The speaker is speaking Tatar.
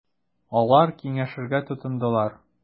Алар киңәшергә тотындылар.